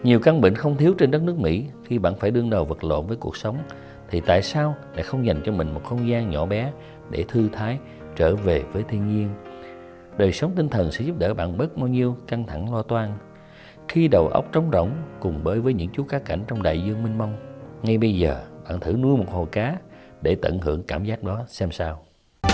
nhiều căn bệnh không thiếu trên đất nước mỹ khi bạn phải đương đầu vật lộn với cuộc sống thì tại sao lại không dành cho mình một không gian nhỏ bé để thư thái trở về với thiên nhiên đời sống tinh thần sẽ giúp đỡ bạn bớt bao nhiêu căng thẳng lo toan khi đầu óc trống rỗng cùng với với những chú cá cảnh trong đại dương mênh mông như bây giờ bạn thử nuôi một hồ cá để tận hưởng cảm giác đó xem sao